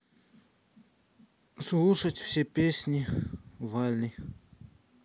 слушать все песни вали